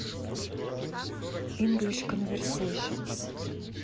инглиш конверсейшенс